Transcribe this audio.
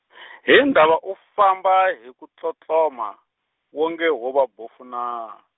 hi ndhava u famba hi ku tlotloma, wonge wo va bofu naa?